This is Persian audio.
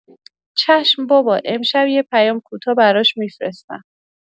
چشم بابا، امشب یه پیام کوتاه براش می‌فرستم.